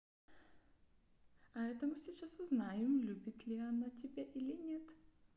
а это мы сейчас узнаем любит ли она тебя или нет